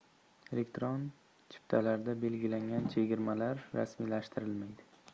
elektron chiptalarda belgilangan chegirmalar rasmiylashtirilmaydi